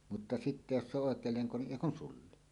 mutta sitten jos se on oikein lenko niin ei kun sulli